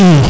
i